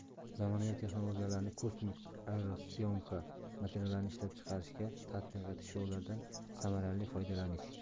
zamonaviy texnologiyalarni kosmik va aero syomka materiallarini ishlab chiqarishga tatbiq etish va ulardan samarali foydalanish